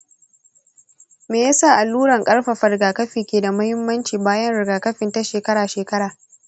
me yasa alluran ƙarfafa rigakafi ke da muhimmanci bayan rigakafin ta shekara-shekara